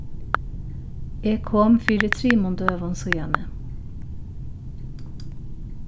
eg kom fyri trimum døgum síðani